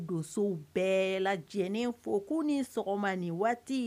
Donso bɛɛ lajɛlenlen fo ko ni sɔgɔma nin waati